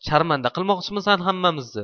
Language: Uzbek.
sharmanda qilmoqchimisan hammamizzi